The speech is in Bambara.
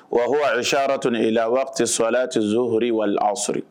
Wa ko a yehara tun e la waati tɛ tɛ zo hur wali awur